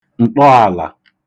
ǹtọàlà